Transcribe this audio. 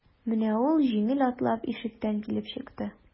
Менә ул җиңел атлап ишектән килеп чыкты.